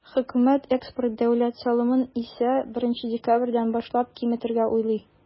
Хөкүмәт экспорт дәүләт салымын исә, 1 декабрьдән башлап киметергә уйлый.